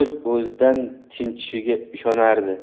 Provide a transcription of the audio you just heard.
o'z o'zidan tinchishiga ishonardi